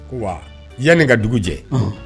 Yanni ka dugu jɛ